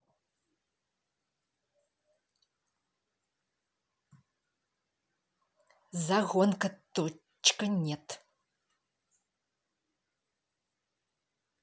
загонка точка нет